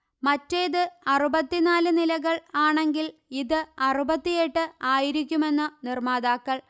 മറ്റേത് അറുപത്തിനാൽ നിലകൾ ആണെങ്കിൽ ഇത് അറുപത്തിയെട്ട് ആയിരിക്കുമെന്ന്നിർമാതാക്കൾ